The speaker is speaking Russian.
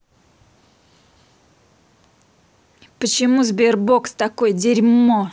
почему sberbox такое дерьмо